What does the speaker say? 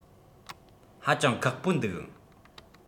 ཧ ཅང ཁག པོ འདུག